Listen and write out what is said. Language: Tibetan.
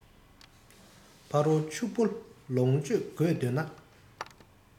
ཕ རོལ ཕྱུག པོ ལོངས སྤྱོད དགོས འདོད ན